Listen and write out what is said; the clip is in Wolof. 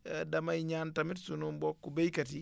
damay ñaan tamit sunu mbokku béykat yi